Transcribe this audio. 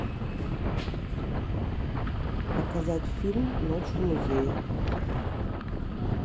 показать фильм ночь в музее